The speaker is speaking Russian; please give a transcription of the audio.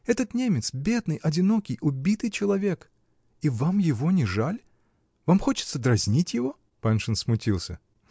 Этот немец -- бедный, одинокий, убитый человек -- и вам его не жаль? Вам хочется дразнить его? Паншин смутился.